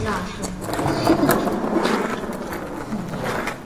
Na' allwn. Hmm.